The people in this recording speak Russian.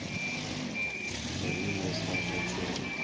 бои местного значения